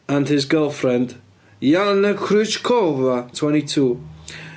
And his girlfriend Yana Kryuchkova twenty two.